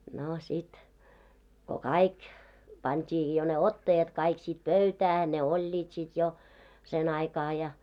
no sitten kun kaikki pantiin jo ne ottajat kaikki sitten pöytään ne olivat sitten jo sen aikaa ja